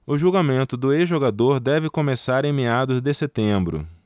o julgamento do ex-jogador deve começar em meados de setembro